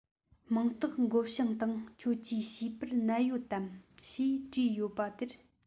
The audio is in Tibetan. མིང རྟགས འགོད བྱང སྟེང ཁྱེད ཀྱི བྱིས པར ནད ཡོད དམ ཞེས དྲིས ཡོད པ དེར